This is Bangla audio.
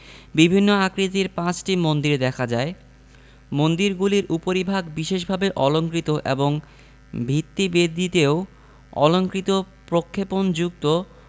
বিভিন্ন আকৃতির ৫টি মন্দির দেখা যায় মন্দিরগুলির উপরিভাগ বিশেষভাবে অলংকৃত এবং ভিত্তিবেদিতেও অলঙ্কৃত প্রক্ষেপণযুক্ত